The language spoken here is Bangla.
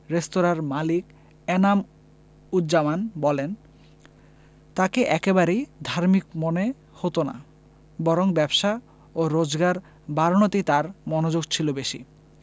রেস্তোরাঁর মালিক এনাম উজজামান বলেন তাঁকে একেবারেই ধার্মিক মনে হতো না বরং ব্যবসা ও রোজগার বাড়ানোতেই তাঁর মনোযোগ ছিল বেশি